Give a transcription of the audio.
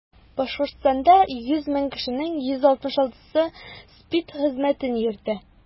Башкортстанда 100 мең кешенең 166-сы СПИД зәхмәтен йөртә.